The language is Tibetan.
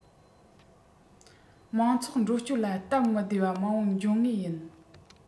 མང ཚོགས འགྲོ སྐྱོད ལ སྟབས མི བདེ བ མང པོ འབྱུང ངེས ཡིན